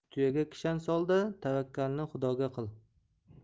tuyaga kishan sol da tavakkalni xudoga qil